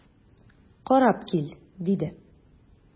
Карап кил,– диде.